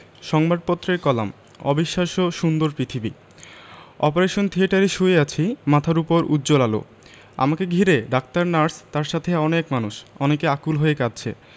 সংবাদপত্রের কলাম অবিশ্বাস্য সুন্দর পৃথিবী অপারেশন থিয়েটারে শুয়ে আছি মাথার ওপর উজ্জ্বল আলো আমাকে ঘিরে ডাক্তার নার্স তার সাথে অনেক মানুষ অনেকে আকুল হয়ে কাঁদছে